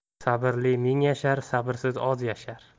sabrli ming yashar sabrsiz oz yashar